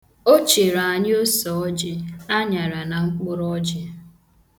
O cheere anyị osọọjị, aṅara, na mkpụrụ ọjị.